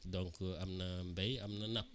donc am na mbéy am na napp